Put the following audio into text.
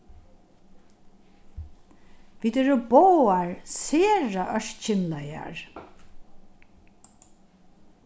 vit eru báðar sera ørkymlaðar